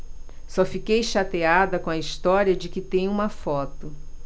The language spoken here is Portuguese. só fiquei chateada com a história de que tem uma foto